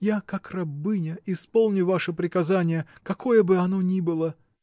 Я, как рабыня, исполню ваше приказание, какое бы оно ни было.